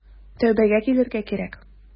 Тәүбәгә килергә кирәк.